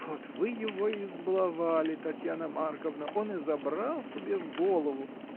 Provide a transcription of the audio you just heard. — Вот вы его избаловали, Татьяна Марковна, он и забрал себе в голову.